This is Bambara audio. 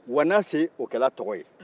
wanase o kɛr'a tɔgɔ ye